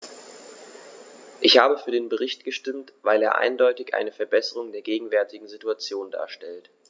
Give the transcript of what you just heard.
Ich habe für den Bericht gestimmt, weil er eindeutig eine Verbesserung der gegenwärtigen Situation darstellt.